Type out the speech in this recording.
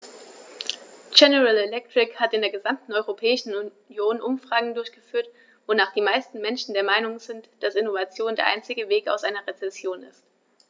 General Electric hat in der gesamten Europäischen Union Umfragen durchgeführt, wonach die meisten Menschen der Meinung sind, dass Innovation der einzige Weg aus einer Rezession ist.